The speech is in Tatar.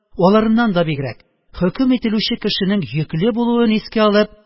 Аларыннан да бигрәк, хөкем ителүче кешенең йөкле булуын искә алып